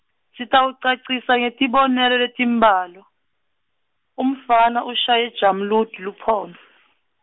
sitawucacisa ngetibonelo letimbalwa, umfana ushaye Jamludi luphondvo.